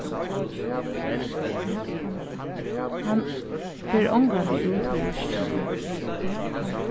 hann fer ongantíð út við ruskinum